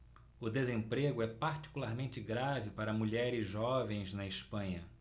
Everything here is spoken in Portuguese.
o desemprego é particularmente grave para mulheres jovens na espanha